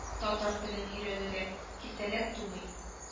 Татар телен өйрәнүдә киртәләр тумый